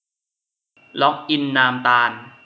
ล็อกอินนามตาล